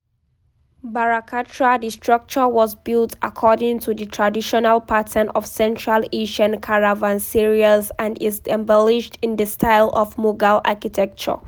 Bara Katra, the structure was built according to the traditional pattern of Central Asian caravanserais and is embellished in the style of Mughal architecture.